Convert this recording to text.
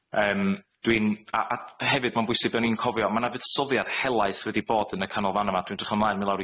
Yym dwi'n- a a hefyd ma'n bwysig bo' ni'n cofio ma' 'na fuddsoddiad helaeth wedi bod yn y canolfanna 'ma. Dwi'n edrych ymlaen myn' lawr i